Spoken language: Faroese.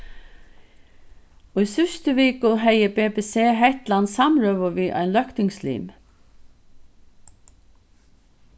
í síðstu viku hevði bbc hetland samrøðu við ein løgtingslim